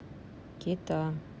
кета